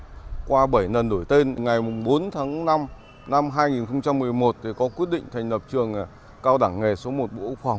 qua bảy lần đổi tên ngày mùng bốn tháng năm năm hai nghìn không trăm mười một thì có quyết định thành lập trường cao đẳng nghề số một bộ quốc phòng